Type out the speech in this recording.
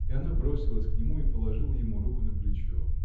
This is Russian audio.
И она бросилась к нему и положила ему руку на плечо.